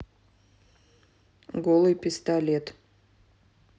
голый пистолет